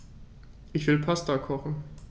Ich will Pasta kochen.